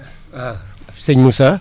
waaw sëñ Moussa